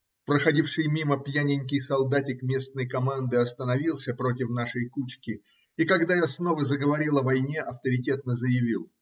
Проходивший мимо пьяненький солдатик местной команды остановился против нашей кучки и, когда я снова заговорил о войне, авторитетно заявил